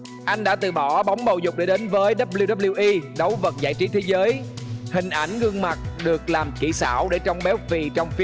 anh đã từ bỏ bóng bầu dục để đến với đáp liu đáp liu i đấu vật giải trí thế giới hình ảnh gương mặt được làm kỹ xảo để trông béo phì trong